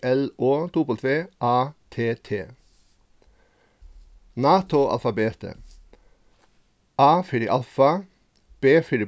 l o w a t t nato-alfabetið a fyri alfa b fyri